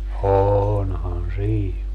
onhan siinä